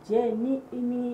Cɛ n ni ye